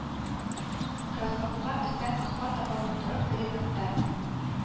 Кроссвордка өстән аска таба тутырып, горизонталь